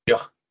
Diolch.